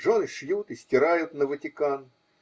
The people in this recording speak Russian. жены шьют и стирают на Ватикан